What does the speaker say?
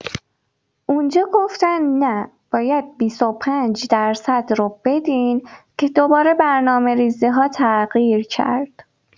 اونجا گفتن نه باید ۲۵٪ رو بدین که دوباره برنامه ریزی‌ها تغییر کرد.